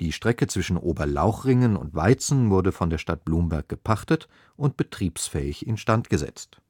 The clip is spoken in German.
Strecke zwischen Oberlauchringen und Weizen wurde von der Stadt Blumberg gepachtet und betriebsfähig instand gesetzt